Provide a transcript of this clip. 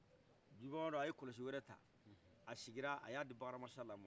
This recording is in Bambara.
jugudu banbadɔ aye kɔlɔsi wɛrɛ ta assigira aya di bakari hama sala